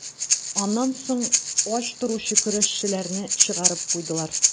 Аннан соң ач торучы көрәшчеләрне чыгарып куйдылар.